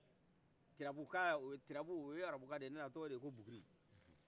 tirabu oye arabu kan de ye jɔdɛ abi fɔ de ko buguri